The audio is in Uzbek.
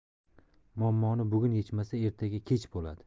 muammoni bugun yechmasa ertaga kech bo'ladi